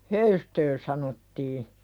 höystö sanottiin